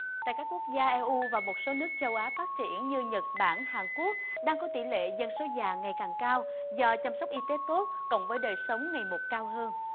tại các quốc gia e u và một số nước châu á phát triển như nhật bản hàn quốc đang có tỷ lệ dân số già ngày càng cao do chăm sóc y tế tốt cộng với đời sống ngày một cao hơn